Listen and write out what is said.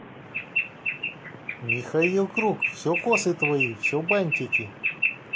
михаил круг все косы твои все бантики